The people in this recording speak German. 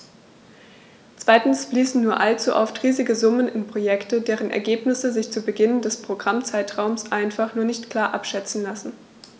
Zweitens fließen nur allzu oft riesige Summen in Projekte, deren Ergebnisse sich zu Beginn des Programmzeitraums einfach noch nicht klar abschätzen lassen.